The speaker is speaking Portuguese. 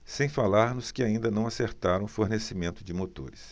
sem falar nos que ainda não acertaram o fornecimento de motores